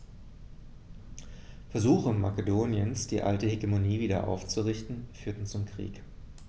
Versuche Makedoniens, die alte Hegemonie wieder aufzurichten, führten zum Krieg.